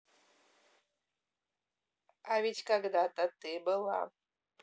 а ведь когда то ты была